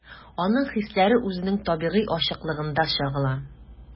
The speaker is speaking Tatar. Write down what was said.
Аның хисләре үзенең табигый ачыклыгында чагыла.